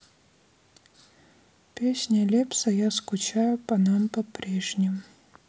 песня лепса я скучаю по нам по прежним